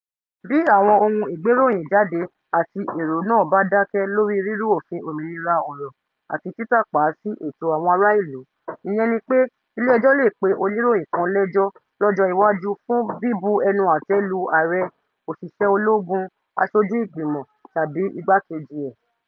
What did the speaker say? Bí àwọn ohun ìgberòyìn jáde àti èrò náà bá dákẹ́ lórí rírú òfin òmìnira ọ̀rọ̀ àti títàpá sí ẹ̀tọ́ àwọn ará ìlú, ìyẹn ni pé ilé ẹjọ́ lè pe oniroyin kan lẹ́jọ́ lọ́jọ́ iwájú fún bíbu ẹnu àtẹ́ lu Aàrẹ, òṣìṣẹ́ ológun, aṣojú ìgbìmọ̀ tàbí igbákejì ẹ̀.